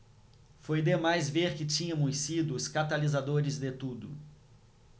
foi demais ver que tínhamos sido os catalisadores de tudo